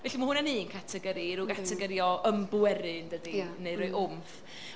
Felly mae hwn yn un categori, ryw gategori o ymbweru yn dydi... ia. ...neu rhoi wmff... ia.